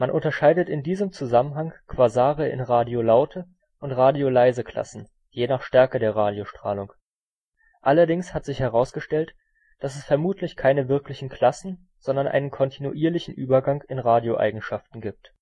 unterscheidet in diesem Zusammenhang Quasare in „ radio-laute “und „ radio-leise “Klassen, je nach Stärke der Radiostrahlung. Allerdings hat sich herausgestellt, dass es vermutlich keine wirklichen Klassen, sondern einen kontinuierlichen Übergang in Radioeigenschaften gibt